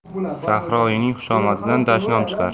sahroyining xushomadidan dashnom chiqar